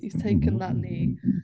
He's taken that knee.